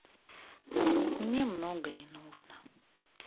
мне много не нужно